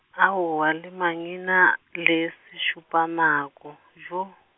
aowa le mangina, le sešupanako, yo?